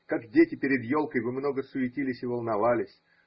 Как дети перед елкой, вы много суетились и волновались.